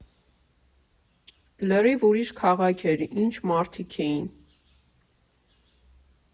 Լրիվ ուրիշ քաղաք էր, ինչ մարդիկ էին»։